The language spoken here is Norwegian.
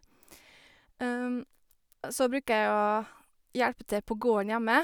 Så bruker jeg å hjelpe til på gården hjemme.